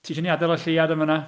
Ti isio ni adael y Lleuad yn fan'na?